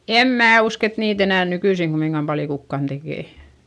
en minä usko että niitä enää nykyisin kumminkaan paljon kukaan tekee